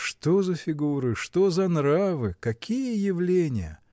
— Что за фигуры, что за нравы, какие явления!